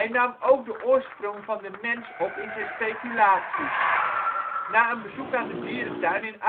nam ook de oorsprong van de mens op in zijn speculaties. Na een bezoek aan de dierentuin in